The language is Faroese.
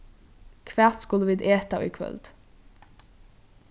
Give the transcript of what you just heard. hvat skulu vit eta í kvøld